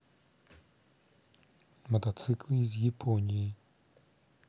мотоциклы из японии